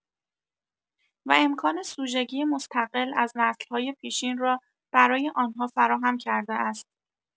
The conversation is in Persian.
و امکان سوژگی مستقل از نسل‌های پیشین را برای آنها فراهم کرده است.